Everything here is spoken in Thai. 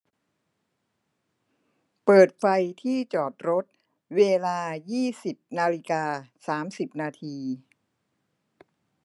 เปิดไฟที่จอดรถเวลายี่สิบนาฬิกาสามสิบนาที